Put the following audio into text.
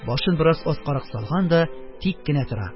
Башын бераз аскарак салган да тик кенә тора.